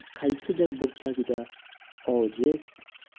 qaysidir burchagida ojiz